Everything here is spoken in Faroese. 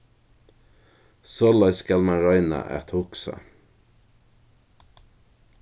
soleiðis skal mann royna at hugsa